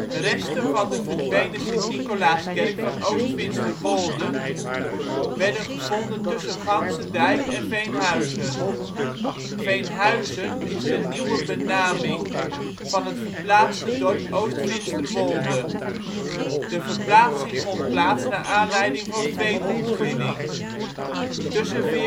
Resten van de verdwenen St.-Nicolaaskerk van Oost-Finsterwolde werden gevonden tussen Ganzedijk en Veenhuizen. Veenhuizen is de nieuwe benaming van het verplaatste dorp Oost-Finsterwolde. De verplaatsing vond plaats naar aanleiding van veenontginning. Tussen 1454